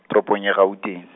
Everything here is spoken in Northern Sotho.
toropong ya Gauteng.